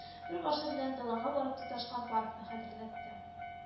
Бер башы белән далага барып тоташкан паркны хәтерләтте